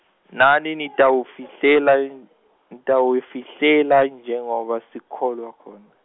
nani nitawafihlela n-, nitawufihlela njengoba sikolwa khona.